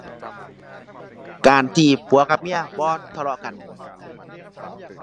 การที่ผัวกับเมียบ่ทะเลาะกัน